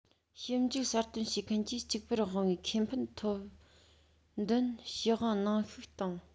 ཞིབ འཇུག གསར གཏོད བྱེད མཁན གྱིས གཅིག པུར དབང བའི ཁེ ཕན ཐོབ འདུན ཞུ དབང ནང བཤུག བཏང